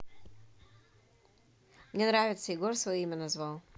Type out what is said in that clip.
мне нравится егор свое имя назвал